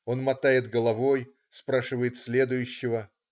Он мотает головой, спрашивает следующего.